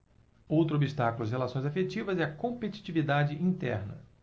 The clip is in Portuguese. outro obstáculo às relações afetivas é a competitividade interna